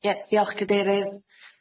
Ia diolch gadeirydd.